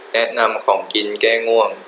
แนะนำของกินแก้ง่วง